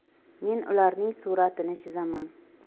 men ularning suratini chizaman